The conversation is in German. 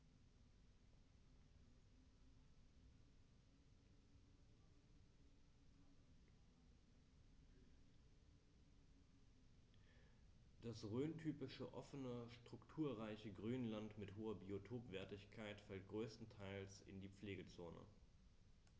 Das rhöntypische offene, strukturreiche Grünland mit hoher Biotopwertigkeit fällt größtenteils in die Pflegezone.